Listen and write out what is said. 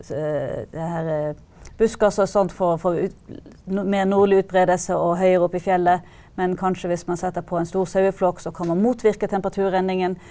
det herre buskas og sånt får får mer nordlig utbredelse og høyere opp i fjellet, men kanskje hvis man vi setter på en stor saueflokk så kan man motvirke temperaturendringen.